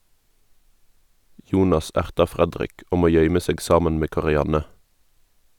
Jonas ertar Fredrik, og må gøyme seg saman med Karianne